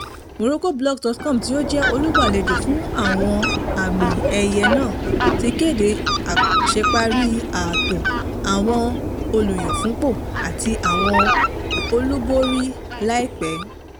MorroccoBlogs.com, tí ó jẹ́ olùgbàlejò fún àwọn àmì-ẹ̀yẹ náà, ti kéde àṣeparí ààtò àwọn olùyànfúnpò àti àwọn olúborí láìpẹ́.